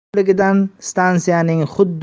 ko'pligidan stansiyaning xuddi